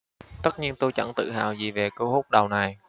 tất nhiên tôi chẳng tự hào gì về cú húc đầu này